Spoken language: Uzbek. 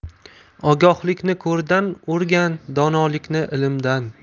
ogohlikni ko'rdan o'rgan donolikni ilmdan